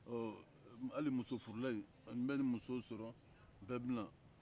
ɔ hali musofurulaw n bɛ nin muso sɔrɔ bɛɛ bɛ na